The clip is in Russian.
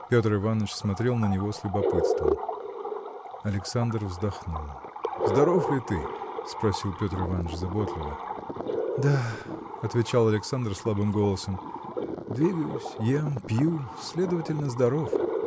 Петр Иваныч смотрел на него с любопытством. Александр вздохнул. – Здоров ли ты? – спросил Петр Иваныч заботливо. – Да – отвечал Александр слабым голосом – двигаюсь ем пью следовательно здоров.